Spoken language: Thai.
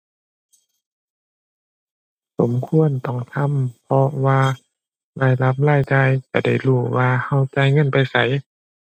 สมควรต้องทำ เพราะว่ารายรับรายจ่าย จะได้รู้ว่าเราจ่ายเงินไปไส